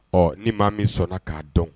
Ɔ ni maa ma min sɔnna k'a dɔn